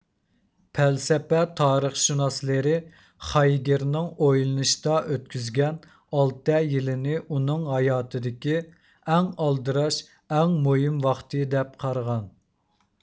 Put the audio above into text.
پەلسەپە تارىخشۇناسلىرى خايگېرنىڭ ئويلىنىشتا ئۆتكۈزگەن ئالتە يىلىنى ئۇنىڭ ھاياتىدىكى ئەڭ ئالدىراش ئەڭ مۇھىم ۋاقتى دەپ قارىغان